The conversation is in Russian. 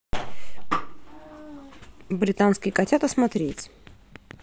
британские котята смотреть